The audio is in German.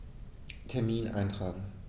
Termin eintragen